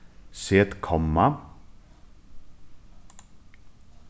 set komma